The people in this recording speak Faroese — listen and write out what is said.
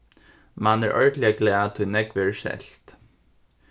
mann er ordiliga glað tí nógv verður selt